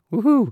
Woo-hoo.